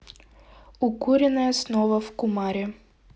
укуренные снова в кумаре